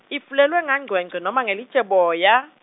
ifulelwe ngangcwengcwe noma ngelitjeboya?